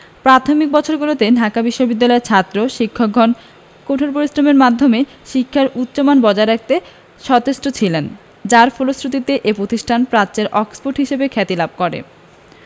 প্রাথমিক বছরগুলিতে ঢাকা বিশ্ববিদ্যালয়ের ছাত্র শিক্ষকগণ কঠোর পরিশ্রমের মাধ্যমে শিক্ষার উচ্চমান বজায় রাখতে সচেষ্ট ছিলেন যার ফলশ্রুতিতে এ প্রতিষ্ঠান প্রাচ্যের অক্সফোর্ড হিসেবে খ্যাতি লাভ করে